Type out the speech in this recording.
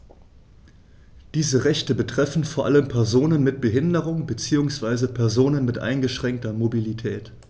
Diese Rechte betreffen vor allem Personen mit Behinderung beziehungsweise Personen mit eingeschränkter Mobilität.